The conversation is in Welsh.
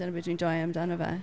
Dyna be dwi'n joio amdano fe.